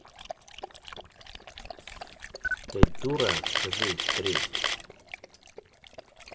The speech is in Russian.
ты дура скажи три